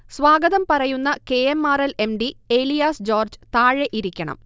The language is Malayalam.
സ്വാഗതം പറയുന്ന K. M. R. L., M. D Elias George താഴെ ഇരിക്കണം